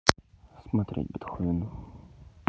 смотреть бетховен